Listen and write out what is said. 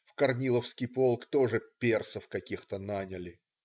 В Корниловский полк тоже персов каких-то наняли.